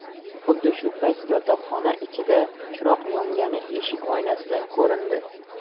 xuddi shu payt yotoqxona ichida chiroq yongani eshik oynasidan ko'rindi